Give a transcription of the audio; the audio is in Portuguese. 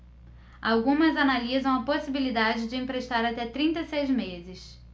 algumas analisam a possibilidade de emprestar até trinta e seis meses